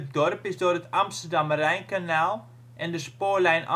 dorp is door het Amsterdam-Rijnkanaal en de spoorlijn